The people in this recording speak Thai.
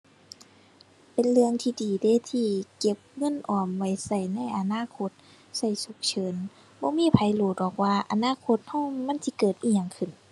เป็นเรื่องที่ดีเดะ ที่เก็บเงินออมไว้ใช้ในอนาคต ใช้ฉุกเฉิน บ่มีไผรู้ดอกว่าอนาคตใช้มันสิเกิดอิหยังขึ้น